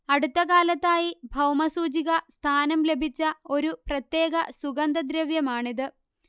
അടുത്തകാലത്തായി ഭൗമസൂചിക സ്ഥാനം ലഭിച്ച ഒരു പ്രത്യേക സുഗന്ധദ്രവ്യമാണിത്